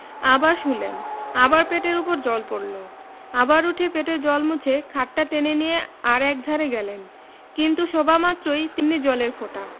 আবার শুলেন আবার পেটের উপর জল ঝরে পড়ল আবার উঠে পেটের জল মুছে খাটটা টেনে নিয়ে আর একধারে গেলেন কিন্তু শোবামাত্রই তেমনি জলের ফোঁটা